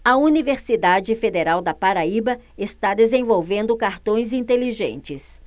a universidade federal da paraíba está desenvolvendo cartões inteligentes